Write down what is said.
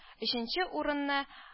Өченче урынны